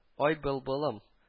“ай, былбылым”